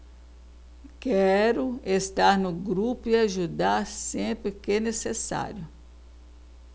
quero estar no grupo e ajudar sempre que necessário